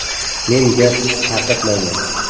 men gap tarqatmayman